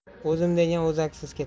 o'zim degan o'zaksiz ketar